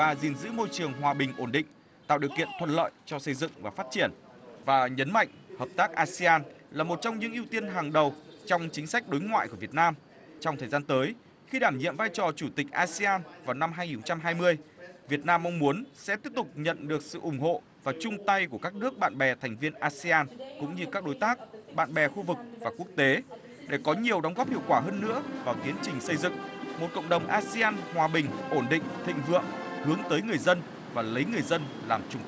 và gìn giữ môi trường hòa bình ổn định tạo điều kiện thuận lợi cho xây dựng và phát triển và nhấn mạnh hợp tác a si an là một trong những ưu tiên hàng đầu trong chính sách đối ngoại của việt nam trong thời gian tới khi đảm nhiệm vai trò chủ tịch a si an vào năm hai nghìn không trăm hai mươi việt nam mong muốn sẽ tiếp tục nhận được sự ủng hộ và chung tay của các nước bạn bè thành viên a si an cũng như các đối tác bạn bè khu vực và quốc tế để có nhiều đóng góp hiệu quả hơn nữa vào tiến trình xây dựng một cộng đồng a si an hòa bình ổn định thịnh vượng hướng tới người dân và lấy người dân làm chủ